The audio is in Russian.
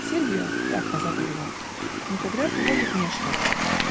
Сильвио (так назову его) никогда в него не вмешивался.